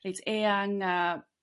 reit eang a